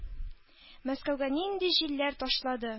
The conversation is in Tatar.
Мәскәүгә нинди җилләр ташлады?